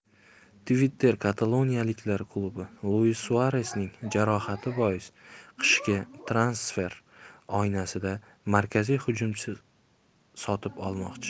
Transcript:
twitterkataloniyaliklar klubi luis suaresning jarohati bois qishki transfer oynasida markaziy hujumchi sotib olmoqchi